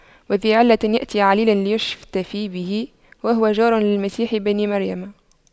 وذى علة يأتي عليلا ليشتفي به وهو جار للمسيح بن مريم